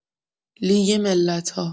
لیگ ملت‌ها